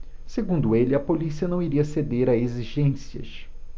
segundo ele a polícia não iria ceder a exigências